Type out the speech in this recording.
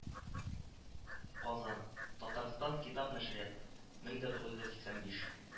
Казан: Татарстан китап нәшрияты, мең дә тугыз йөз сиксән биш